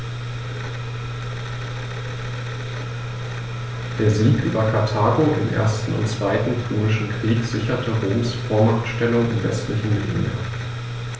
Der Sieg über Karthago im 1. und 2. Punischen Krieg sicherte Roms Vormachtstellung im westlichen Mittelmeer.